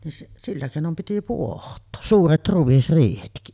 niin sillä keinoin piti pohtaa suuret ruisriihetkin